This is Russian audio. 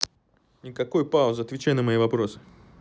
никакой паузы отвечай на мои вопросы